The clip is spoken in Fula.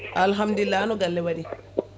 alhamdulillah no galle waaɗi